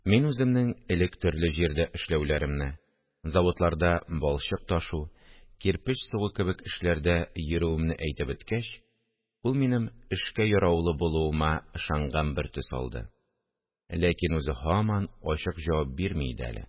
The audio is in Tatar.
Мин үземнең элек төрле җирдә эшләүләремне, заводларда балчык ташу, кирпеч сугу кебек эшләрдә йөрүемне әйтеп беткәч, ул минем эшкә яраулы булуыма ышанган бер төс алды, ләкин үзе һаман ачык җавап бирми иде әле